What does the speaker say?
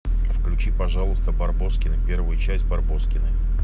включи пожалуйста барбоскины первую часть барбоскины